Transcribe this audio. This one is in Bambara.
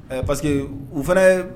Ɛ pa que u fana ye